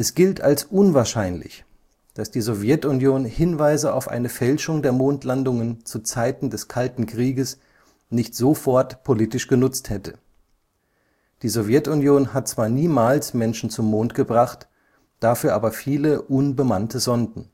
gilt als unwahrscheinlich, dass die Sowjetunion Hinweise auf eine Fälschung der Mondlandungen zu Zeiten des Kalten Krieges nicht sofort politisch genutzt hätte. Die Sowjetunion hat zwar niemals Menschen zum Mond gebracht, dafür aber viele unbemannte Sonden